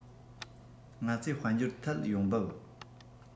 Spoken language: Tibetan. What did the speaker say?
ང ཚོས དཔལ འབྱོར ཐད ཡོང འབབ